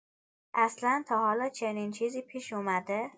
اصلا تا حالا چنین چیزی پیش اومده؟